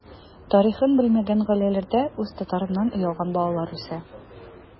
Тарихын белмәгән гаиләләрдә үз татарыннан оялган балалар үсә.